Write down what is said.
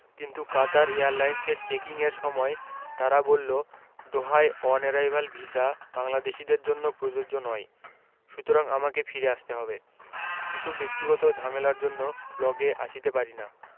কিন্তু Qatar air লাইনসের checking এর সময় তারা বললো দোহায় অনেরাইভাল ভিসা বাংলাদেশীদের জন্য প্রযোজ্য নয় সুতরাং আমাকে ফিরে আসতে হবে কিছু ব্যক্তিগত ঝামেলার জন্য ব্লগে আসিতে পারিনা